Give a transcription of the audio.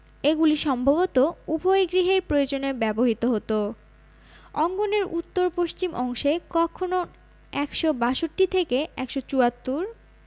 এগুলি সম্ভবত উভয় গৃহের প্রয়োজনে ব্যবহৃত হতো অঙ্গনের উত্তর পশ্চিম অংশে কক্ষ নং ১৬২ থেকে ১৭৪